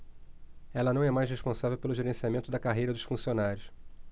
ela não é mais responsável pelo gerenciamento da carreira dos funcionários